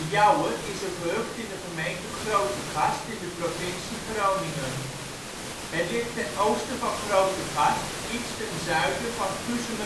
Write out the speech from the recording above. Jouwer is een gehucht in de gemeente Grootegast in de provincie Groningen. Het ligt ten Oosten van Grootegast, iets ten zuiden van Kuzemerbalk. Het